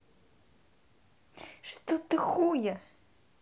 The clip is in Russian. что ты хуя